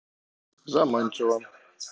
заманчиво